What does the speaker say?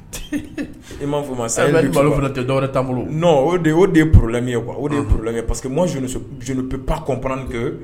I m'a fɔ ma sa balo tɛ dɔwɛrɛ tan bolo o o de porolenmi ye kuwa o de plen pa quep pank kɔnp